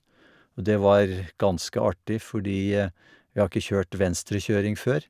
Og det var ganske artig fordi vi har ikke kjørt venstrekjøring før.